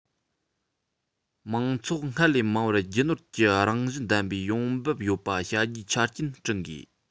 མང ཚོགས སྔར ལས མང བར རྒྱུ ནོར གྱི རང བཞིན ལྡན པའི ཡོང འབབ ཡོད པ བྱ རྒྱུའི ཆ རྐྱེན བསྐྲུན དགོས